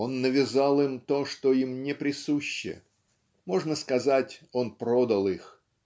Он навязал им то, что им не присуще, можно сказать, - он продал их.